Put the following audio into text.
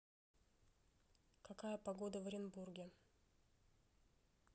какая погода в оренбурге